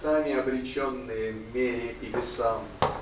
сами обреченные мере и весам